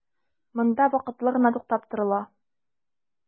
Монда вакытлы гына туктап торыла.